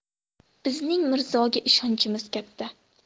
bizning mirzoga ishonchimiz katta